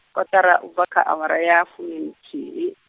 kotara u bva kha awara ya fumi nthihi.